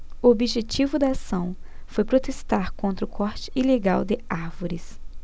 o objetivo da ação foi protestar contra o corte ilegal de árvores